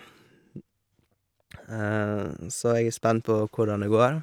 Så jeg er spent på hvordan det går.